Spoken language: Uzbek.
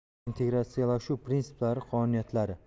integratsiyalashuv printsiplari qonuniyatlari